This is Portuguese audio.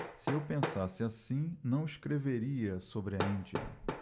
se eu pensasse assim não escreveria sobre a índia